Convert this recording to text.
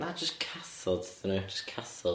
Na jyst cathod 'dyn nhw, ia, jyst cathod.